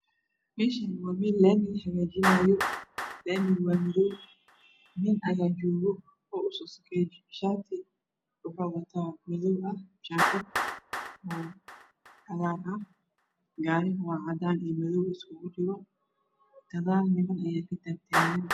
Meeshani waa meel laami la hagajinayo laamigu waa madow nin ayaa jogo oo u so sokeeyo shaati wuxu wata madow ah jaakat oo cagar ah Gaariga waa cadaan iyo madow iskugu jiro Gadaal niman aya ka tagtaagan